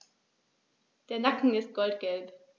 Der Nacken ist goldgelb.